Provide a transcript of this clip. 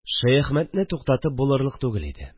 Шәяхмәтне туктатып булырлык түгел иде